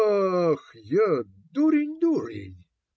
Ах я, дурень, дурень!